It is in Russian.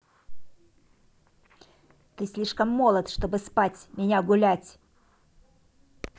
ты слишком молод чтобы спать меня гулять